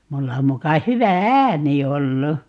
minulla muka hyvä ääni ollut